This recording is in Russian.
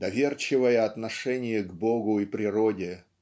доверчивое отношение к Богу и природе.